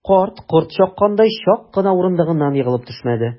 Карт, корт чаккандай, чак кына урындыгыннан егылып төшмәде.